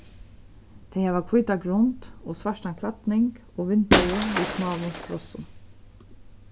tey hava hvíta grund og svartan klædning og vindeygu við smáum sprossum